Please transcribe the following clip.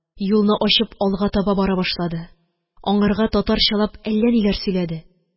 Юлны ачып алга таба бара башлады. Аңарга татарчалап әллә ниләр сөйләде